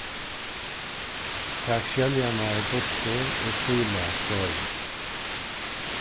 tak skeljarnar burtur og síla soðið